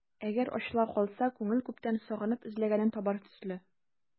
Әгәр ачыла калса, күңел күптән сагынып эзләгәнен табар төсле...